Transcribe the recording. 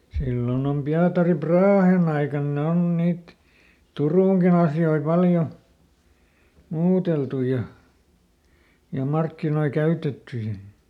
silloin on Pietari Brahen aikana ne on niitä Turunkin asioita paljon muuteltu ja ja markkinoita käytetty ja